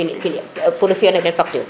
client pour um fiya na den facture